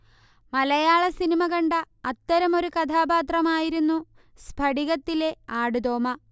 മലയാളസിനിമ കണ്ട അത്തരമൊരു കഥാപാത്രമായിരുന്നു 'സ്ഫടിക'ത്തിലെ ആടുതോമ